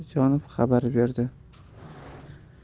mirolim isajonov xabar berdi